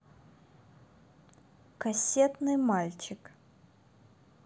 кассетный мальчик